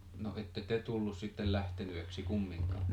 no ette te tullut sitten lähteneeksi kumminkaan